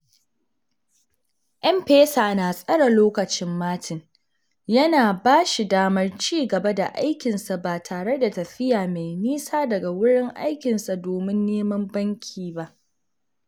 M-PESA na tsare lokacin Martin, yana ba shi damar ci gaba da aikin sa ba tare da tafiya mai nisa daga wurin aikinsa domin neman banki ba.